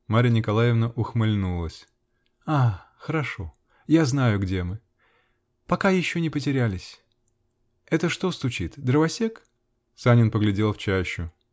Марья Николаевна ухмыльнулась. -- А, хорошо! Я знаю, где мы. Пока еще не потерялись. Это что стучит? Дровосек? Санин поглядел в чащу.